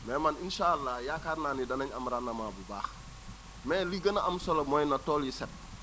mais man incha allah yaakaar naa ni danañ am rendement bu baax mais li gën a am solo mooy na tool yi set